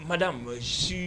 Mada me si